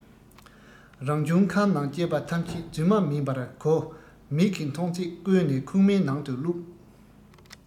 རང བྱུང ཁམས ནང སྐྱེས པ ཐམས ཅད རྫུན མ མིན པར གོ མིག གིས མཐོང ཚད བརྐོས ནས ཁུག མའི ནང དུ བླུགས